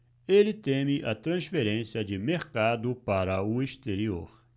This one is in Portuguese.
ele teme a transferência de mercado para o exterior